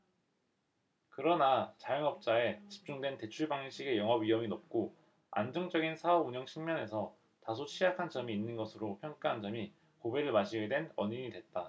그러나 자영업자에 집중된 대출방식의 영업위험이 높고 안정적인 사업운영 측면에서 다소 취약한 점이 있는 것으로 평가한 점이 고배를 마시게 된 원인이 됐다